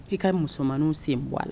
F'i ka musomanniw sen bɔ a la